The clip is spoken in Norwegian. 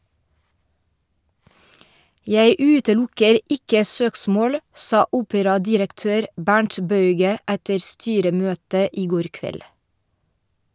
Jeg utelukker ikke søksmål, sa operadirektør Bernt Bauge etter styremøtet i går kveld.